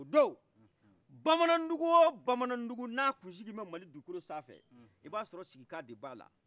o do bamanandugu wo bamanandugu na tun sigimɛ mali dugukolo sanfɛ iba sɔrɔ sigikan de b'ala